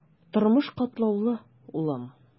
Тормыш катлаулы, улым.